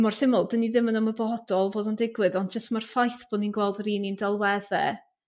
mor syml 'dyn ni ddim yn ymwybodol fod o'n digwydd ond jyst ma'r ffaith bo'n ni'n gweld yr un un delwedde